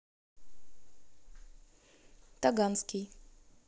таганский